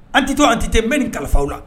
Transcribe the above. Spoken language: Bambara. Entité o entité bɛ nin kalifaw la